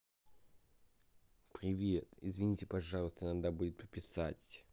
привет извини пожалуйста иногда будет подписать